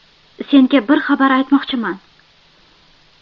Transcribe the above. senga bir xabar aytmoqchiman